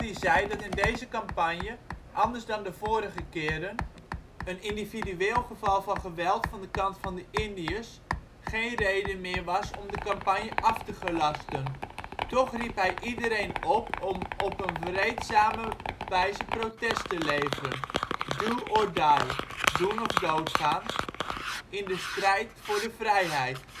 zei dat in deze campagne, anders dan de vorige keren, een individueel geval van geweld van de kant van de Indiërs geen reden meer was om de campagne af te gelasten. Toch riep hij iedereen op om op een vreedzame wijze protest te leveren: " do or die " (doen of doodgaan) in de strijd voor de vrijheid